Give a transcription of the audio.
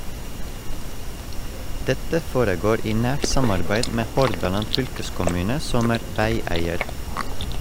Dette foregår i nært samarbeid med Hordaland Fylkeskommune som er vegeier.